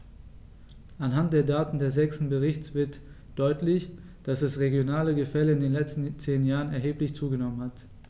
Anhand der Daten des sechsten Berichts wird deutlich, dass das regionale Gefälle in den letzten zehn Jahren erheblich zugenommen hat.